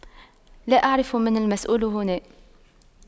لا أعرف من المسؤول هنا